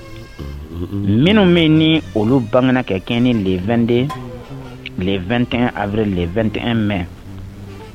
Minnu bɛ ni olu bangekɛ kɛ ni le2den 2ɛn a bɛ 2ɛn mɛn